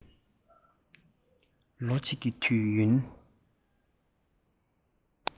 ལོ གཅིག གི དུས ཡུན